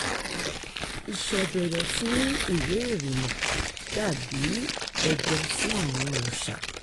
Ìṣèbéèrè fún ìwé ìrìnnà dà bíi ẹbọ fún àwọn òòsà